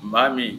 N' min